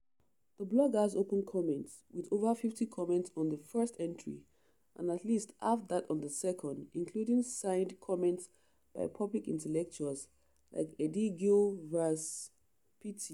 The blog has open comments, with over 50 comments on the first entry and at least half that on the second, including signed comments by public intellectuals like Edígio Vaz [pt].